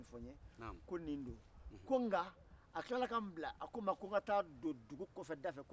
ala nana a kɛ fɔlɔ fɔlɔla ni i tun makɛ donso ye i tɛ muso sɔrɔ